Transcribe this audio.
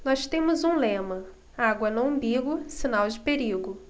nós temos um lema água no umbigo sinal de perigo